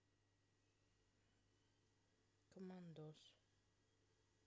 командос